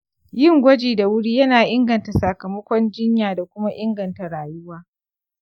yin gwaji da wuri yana inganta sakamakon jinya da kuma inganta rayuwa.